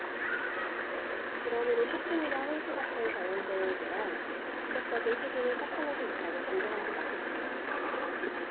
그러므로 폭풍이나 홍수 같은 자연재해에 대한 직접적인 책임이 사탄에게 있다고 단정하지 마십시오